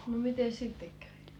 no mitenkäs sitten kävi